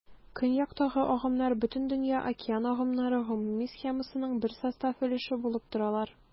Көньякта агымнар Бөтендөнья океан агымнары гомуми схемасының бер состав өлеше булып торалар.